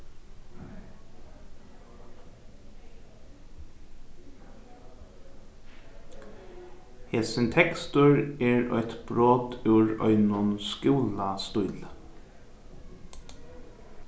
hesin tekstur er eitt brot úr einum skúlastíli